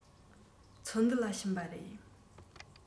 ཚོགས འདུ ལ ཕྱིན པ རེད